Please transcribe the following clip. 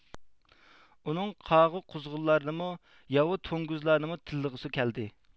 ئۇنىڭ قاغا قۇزغۇنلارنىمۇ ياۋا توڭگۇزلارنىمۇ تىللىغۇسى كەلدى